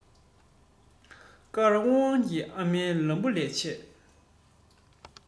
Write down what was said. དཀར བང བང གི ཨ མའི ལན བུ ལས ཆད